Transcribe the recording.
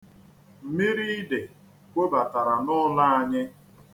Mmiri ide kwobatara n'ụlọ anyị.